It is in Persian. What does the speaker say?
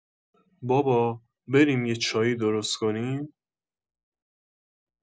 بابا، بریم یه چایی درست کنیم؟